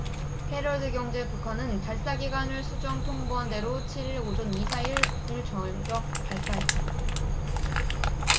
헤럴드경제 북한은 발사 기간을 수정 통보한대로 칠 일 오전 미사일을 전격 발사했다